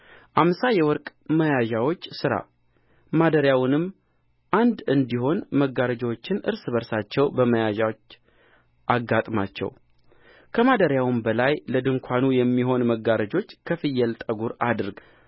አምሳ የወርቅ መያዣዎች ሥራ ማደሪያውንም አንድ እንዲሆን መጋረጆችን እርስ በርሳቸው በመያዣዎች አጋጥማቸው ከማደሪያውም በላይ ለድንኳን የሚሆኑ መጋረጆች ከፍየል ጠጕር አድርግ